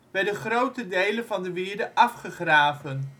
werden grote delen van de wierde afgegraven